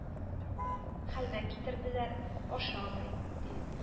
Хәлвә китерделәр — ашамый, ди